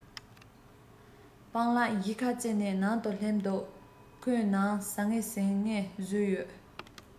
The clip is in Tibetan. སྤང ལགས གཞིས ཁ རྩེ ནས ནང དུ སླེབས དུས ཁོའི ནང ཟང ངེ ཟིང བཟོས ཡོད